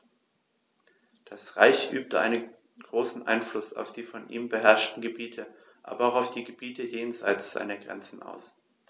Das Reich übte einen großen Einfluss auf die von ihm beherrschten Gebiete, aber auch auf die Gebiete jenseits seiner Grenzen aus.